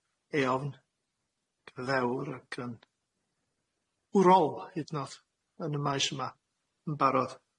eofn, ac yn ddewr, ac yn wrol hyd 'n o'd yn y maes yma yn barod.